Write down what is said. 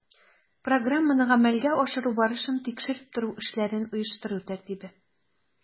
Программаны гамәлгә ашыру барышын тикшереп тору эшләрен оештыру тәртибе